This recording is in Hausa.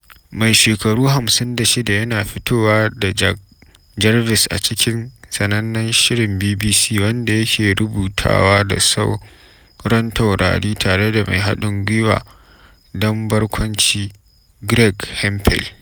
Mai shekaru 56 yana fitowa a Jack Jarvis a cikin sanannen shirin BBC, wanda yake rubutawa da sauran taurari tare da mai haɗn gwiwa dan barkwanci Greg Hemphill.